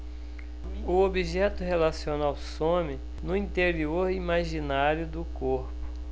o objeto relacional some no interior imaginário do corpo